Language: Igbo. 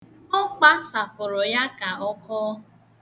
Ọ kpasapụrụ ya ka ọ kọọ.